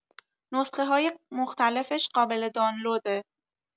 نسخه‌های مختلفش قابل دانلوده